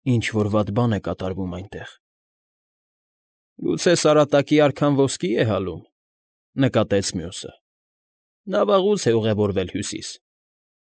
Ինչ֊որ վատ բան է կատարվում այնտեղ։ ֊ Գուցե Սարատակի արքան ոսկի է հալում,֊ նկատեց մյուսը։֊ Նա վաղուց է ուղևորվել Հյուսիս։